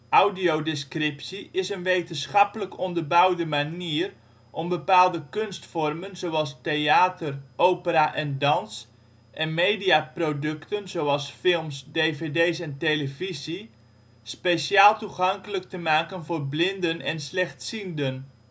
Audiodescriptie is een wetenschappelijk onderbouwde manier om bepaalde kunstvormen zoals theater, opera en dans en mediaproducten zoals films, dvd 's en televisie speciaal toegankelijk te maken voor blinden en slechtzienden